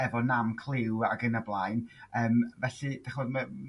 efo nam cliw ag yn o blaen yym felly d'chod